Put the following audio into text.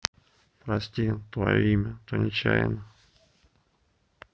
прости твое имя то нечаянно